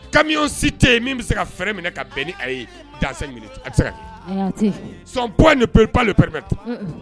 Kami o si tɛ yen min bɛ se ka fɛrɛɛrɛ minɛ ka bɛn ni a ye da ɲini a bɛ se ka sanp ni perep de preme tan